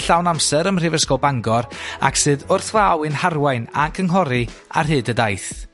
llawn-amser ym mhrifysgol Bangor ac sydd wrth law i'n harwain a cynghori ar hyd y daith.